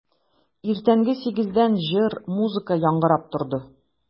Иртәнге сигездән җыр, музыка яңгырап торды.